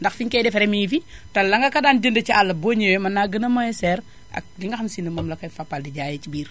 ndax fi ñu koy defaree mu ngi fi te la nga ka daan jëndee ci àll bi boo ñëwee mën naa gën a moins cher ak li nga xam si ne moom la koy Fapal di jaayee ci biir